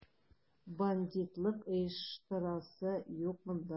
Бандитлык оештырасы юк монда!